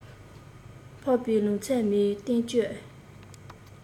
འཕགས པའི ལུང ཚད མའི བསྟན བཅོས